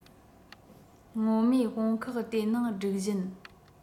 སྔོན མེད དཔུང ཁག དེ ནང སྒྲིག བཞིན